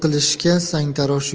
qilishga sangtarosh yo'q